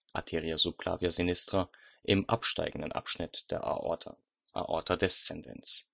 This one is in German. Arteria subclavia sinistra), im absteigenden Abschnitt der Aorta (Aorta descendens